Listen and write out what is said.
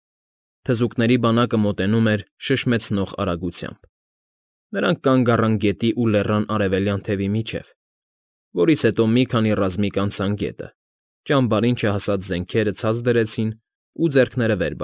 Թզուկների բանակը մոտենում էր շշմեցնող արագությամբ. նրանք կանգ առան գետի ու լեռան արևելյան թևի միջև, որից հետո մի քանի ռազմիկ անցան գետը, ճամբարին չհասած զենքերը ցած դրին ու ձեռքները վեր։